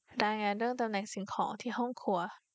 รายงานเรื่องตำแหน่งสิ่งของที่ห้องครัว